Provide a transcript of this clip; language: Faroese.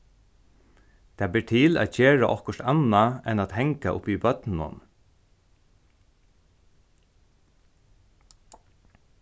tað ber til at gera okkurt annað enn at hanga uppi í børnunum